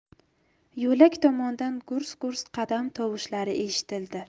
yo'lak tomondan gurs gurs qadam tovushlari eshitildi